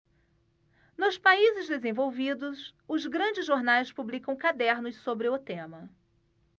nos países desenvolvidos os grandes jornais publicam cadernos sobre o tema